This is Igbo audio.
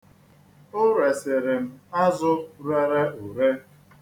O resịrị m azụ rere ure.